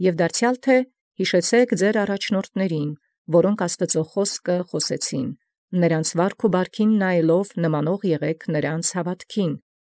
Եւ դարձեալ, թէ՝ «Յիշեցէ՛ք զառաջնորդս ձեր, որք խաւսեցան զբանն Աստուծոյ. հայեցեալ յելս գնացից նոցա, նմանաւղք եղերուք հաւատոցնե։